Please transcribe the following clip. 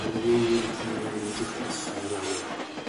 a'r niwl yn hongian yn drwchus yn yr awyr.